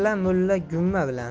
mulla g'umma bilan